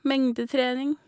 Mengdetrening.